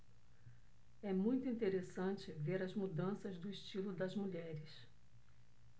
é muito interessante ver as mudanças do estilo das mulheres